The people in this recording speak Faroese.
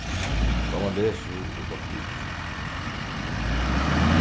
góðan lesihug og gott vikuskifti